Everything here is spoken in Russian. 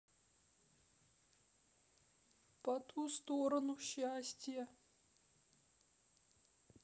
по ту сторону счастья